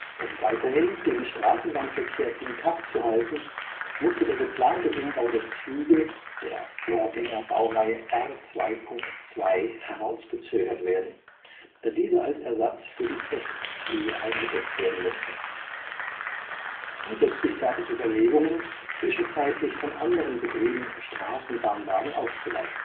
Um weiterhin den Straßenbahnverkehr in Takt zu halten, musste der geplante Umbau der Züge der Vorgängerbaureihe R 2.2 herausgezögert werden, da diese als Ersatz für die S-Züge eingesetzt werden mussten. Zusätzlich gab es Überlegungen, zwischenzeitlich von anderen Betrieben Straßenbahnwagen auszuleihen